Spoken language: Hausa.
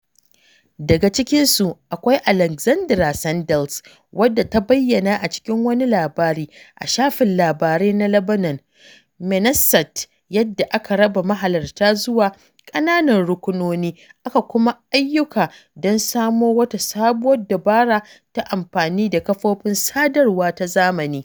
Daga cikin su, akwai Alexandra Sandels wadda ta bayyana a cikin wani labari a shafin labarai na Lebanon, Menassat, yadda aka raba mahalarta zuwa ƙananan rukunoni aka kuma basu ayyuka don samo wata sabuwar dabara ta amfani da kafofin sadarwa na zamani.